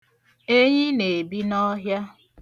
Enyi na-ebi n'ọhịa.